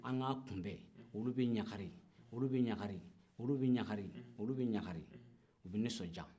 an ka kunbɛ olu bɛ ɲagali olu bɛ ɲagali u bɛ nisondiya